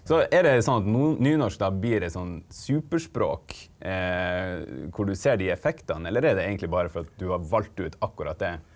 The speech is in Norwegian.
så er det sånn at nynorsk da blir et sånn superspråk hvor du ser de effektene, eller er det egentlig bare for at du har valgt ut akkurat det?